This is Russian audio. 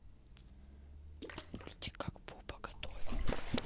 мультик как буба готовит